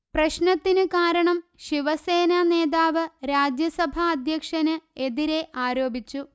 പ്രശ്നത്തിനു കാരണം ശിവസേന നേതാവ് രാജ്യസഭാ അധ്യക്ഷന് എതിരെ ആരോപിച്ചു